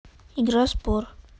игра спор